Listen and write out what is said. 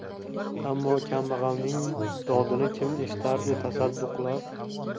ammo kambag'alning dodini kim eshitardi tasadduqlar